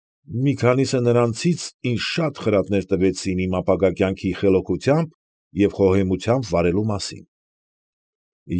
Մի քանիսը նրանցից, ինձ շատ խրատներ տվեցին իմ ապագա կյանքի խելոքությամբ և խոհեմությամբ վարելու մասին։